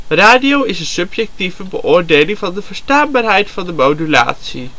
Radio is een subjectieve beoordeling van de verstaanbaarheid van de modulatie